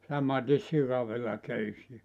samaten sikavillaköysiä